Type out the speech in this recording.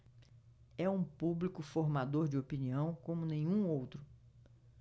é um público formador de opinião como nenhum outro